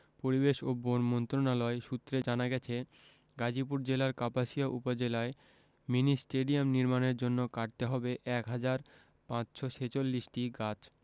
পরিবেশ ও বন মন্ত্রণালয় সূত্রে জানা গেছে গাজীপুর জেলার কাপাসিয়া উপজেলায় মিনি স্টেডিয়াম নির্মাণের জন্য কাটতে হবে এক হাজার ৫৪৬টি গাছ